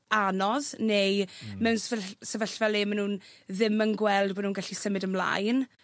anodd neu mewn sef- sefyllfa le ma' nw'n ddim yn gweld bo' nw'n gallu symud ymlaen